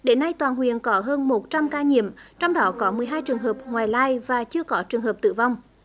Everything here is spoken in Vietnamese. đến nay toàn huyện có hơn một trăm ca nhiễm trong đó có mười hai trường hợp ngoại lai và chưa có trường hợp tử vong